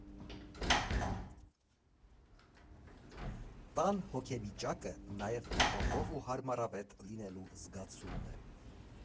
Տան հոգեվիճակը նաև ապահով ու հարմարվետ լինելու զգացումն է։